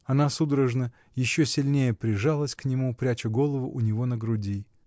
Она судорожно, еще сильнее прижалась к нему, пряча голову у него на груди.